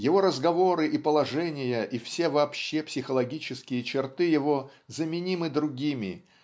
его разговоры и положения и все вообще психологические черты его заменимы другими